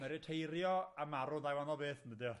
Ma'n riteirio a marw ddau waanol beth, yn dydi o?